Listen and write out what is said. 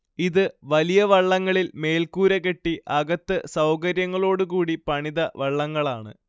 ഇത് വലിയ വള്ളങ്ങളിൽ മേൽക്കൂര കെട്ടി അകത്ത് സൗകര്യങ്ങളോട് കൂടി പണിത വള്ളങ്ങളാണ്